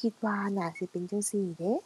คิดว่าน่าสิเป็นจั่งซี้เดะ